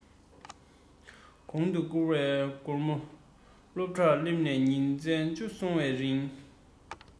གོང དུ བསྐུར བའི སྒོར མ སློབ གྲྭར སླེབས ནས ཉིན གཞག བཅུ སོང བའི རིང